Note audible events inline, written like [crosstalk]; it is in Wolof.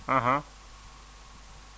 [hesitation] [hesitation] [noise]